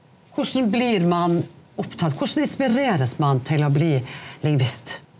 hvordan blir man opptatt hvordan inspireres man til å bli lingvist?